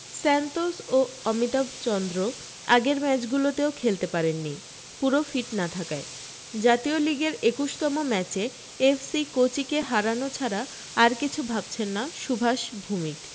Santos ও অমিতাভ চন্দ্র আগের ম্যাচগুলোতেও খেলতে পারেননি পুরো ফিট না থাকায় জাতীয় লিগের একুশতম ম্যাচে এফ সি কোচিকে হারানো ছাড়া আর কিছু ভাবছেন না সুভাষ ভুমিক